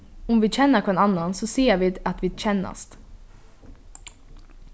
um vit kenna hvønn annan so siga vit at vit kennast